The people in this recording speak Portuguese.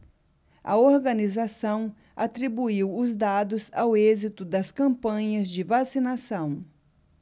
a organização atribuiu os dados ao êxito das campanhas de vacinação